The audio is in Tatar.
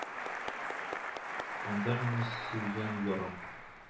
Анда мине сөйгән ярым